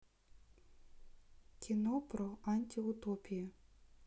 кино про антиутопию